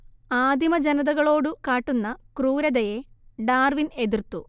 ആദിമജനതകളോടു കാട്ടുന്ന ക്രൂരതയെ ഡാർവിൻ എതിർത്തു